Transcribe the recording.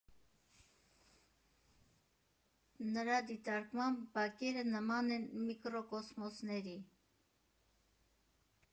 Նրա դիտարկմամբ՝ բակերը նման են «միկրոկոսմոսների».